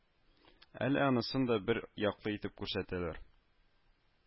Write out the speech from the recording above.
Әле анысын да бер яклы итеп күрсәтәләр